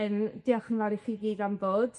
Yym diolch yn fawr i chi i gyd am ddod.